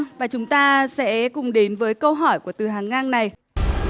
và chúng ta sẽ cùng đến với câu hỏi của từ hàng ngang này